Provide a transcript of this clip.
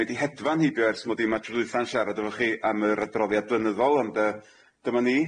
Mae 'di hedfan heibio ers mod i yma tro dwytha'n sharad efo chi am yr adroddiad blynyddol ond yy dyma ni.